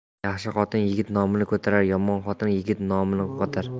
yaxshi xotin yigit nomin ko'tarar yomon xotin yigit nomin yo'qotar